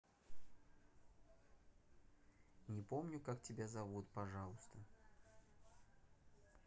не помню как тебя зовут пожалуйста